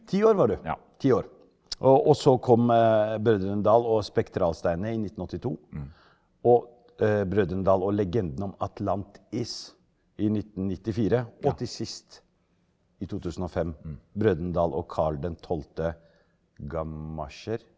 ti år var du ti år og og så kom Brødrene Dal og spektralsteinene i 1982 og Brødrene Dal og legenden om Atlantis i 1994 og til sist i 2005 Brødrene Dal og Karl den tolvte gamasjer.